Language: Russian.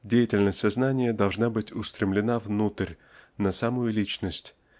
Деятельность сознания должна быть устремлена внутрь на самую личность